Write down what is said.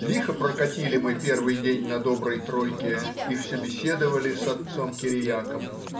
Лихо прокатили мы первый день на доброй тройке и всё беседовали с отцом Кириаком.